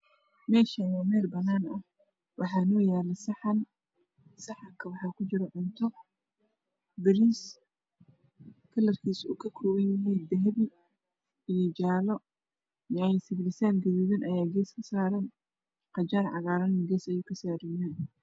Halkan waxa yaaloh saxan waxa ku jiroh cuntoh oo kala bariis, yaanyano sibirsan iyo qajaar cagaaran